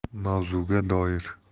mavzuga doir